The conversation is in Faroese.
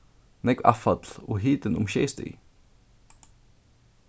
nógv avfall og hitin um sjey stig